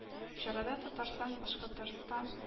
Чарада Татарстан, Башкортстан